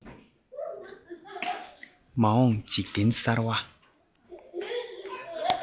མ འོངས འཇིག རྟེན གསར བ